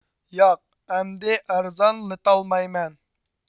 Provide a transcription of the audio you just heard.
ياق ئەمدى ئەرزانلىتالمايمەن